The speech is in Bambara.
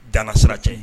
Danana sira cɛ